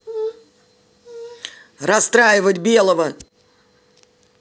расстраивать белого